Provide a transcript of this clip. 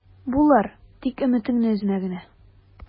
Булыр, тик өметеңне өзмә генә...